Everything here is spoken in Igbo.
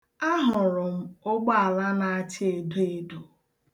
A hụrụ m ugbọala na-acha edoedo.